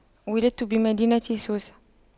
ولدت بمدينة سوسة